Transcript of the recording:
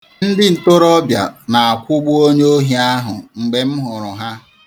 Ndi ntorobịa na-akwụgbu onye ohi ahụ mgbe m hụrụ ha.